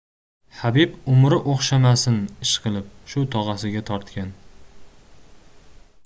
habib umri o'xshamasin ishqilib shu tog'asiga tortgan